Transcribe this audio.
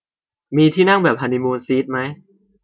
มีที่นั่งแบบฮันนี่มูนซีทมั้ย